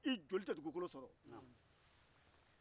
sani i ka cɛ sɔrɔ